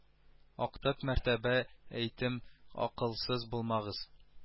Актык мәртәбә әйтем акылсыз булмагыз